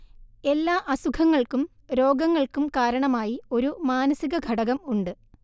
എല്ലാ അസുഖങ്ങൾക്കും രോഗങ്ങൾക്കും കാരണമായി ഒരു മാനസികഘടകം ഉണ്ട്